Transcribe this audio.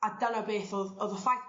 A dyna beth o'dd o'dd y ffaith